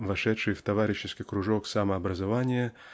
вошедший в товарищеский кружок самообразования